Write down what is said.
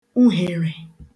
uhèrè